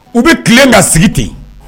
U bɛ tile ka sigi ten yen